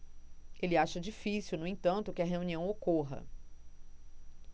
ele acha difícil no entanto que a reunião ocorra